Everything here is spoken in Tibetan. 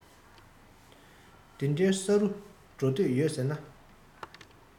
དེ འདྲའི ས རུ འགྲོ འདོད ཡོད ཟེར ན